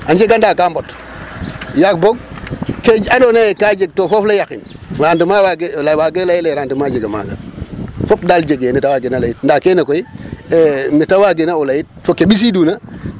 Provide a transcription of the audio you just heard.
A njega ndaa ka mbot yaag boog ke andoona yee ka jeg to foof le yaqin rendemnent waagee leyel rendement jega maaga fop daal jegee ne ta waageena layit ndaa kene koy me ta waageena o layit fo ke ɓisiiduna.